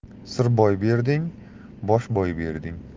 sir boy berding bosh boy berding